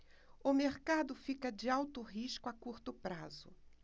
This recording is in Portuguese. o mercado fica de alto risco a curto prazo